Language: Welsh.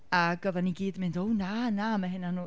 Ac oeddan ni gyd yn mynd "o, na, na, mae hynna'n..."